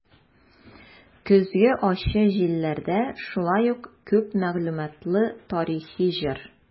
"көзге ачы җилләрдә" шулай ук күп мәгълүматлы тарихи җыр.